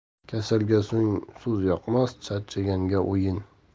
kasalga so'z yoqmas charchaganga o'yin